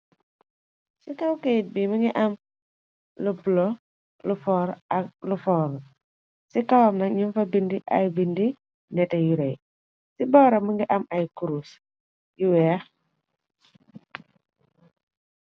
Ci kawkayit bi më ngi am ulu foor ci kawam na ñun fa bindi ay bindi neté yu rey ci boora më ngi am ay kruse yu weex.